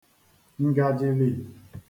ǹgàjìlì